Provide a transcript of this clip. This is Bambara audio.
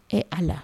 E Ala